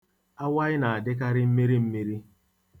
Awaị na-adịkarị mmiri mmiri.